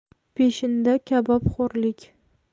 peshinda kabobxo'rlik